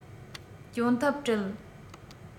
གྱོན ཐབས བྲལ